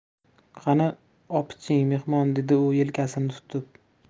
qani opiching mehmon dedi u yelkasini tutib